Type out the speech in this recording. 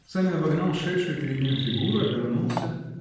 Санин обогнал шедшую перед ним фигуру, обернулся.